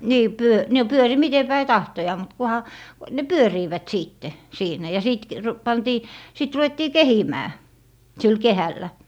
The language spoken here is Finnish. niin - no pyöri miten päin tahtoo mutta kunhan ne pyörivät sitten siinä ja sitten -- pantiin sitten ruvettiin kehimään sillä kehällä